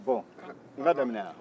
bon n k'a daminɛ wa